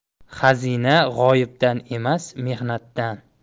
xazina g'oyibdan emas mehnatdan